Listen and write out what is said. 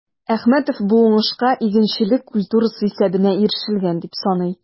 Әхмәтов бу уңышка игенчелек культурасы исәбенә ирешелгән дип саный.